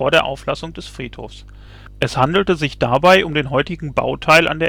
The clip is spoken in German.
der Auflassung des Friedhofs. Es handelte sich dabei um den heutigen Bauteil an